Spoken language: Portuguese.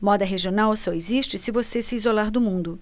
moda regional só existe se você se isolar do mundo